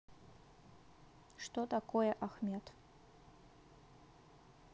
что такое ахмет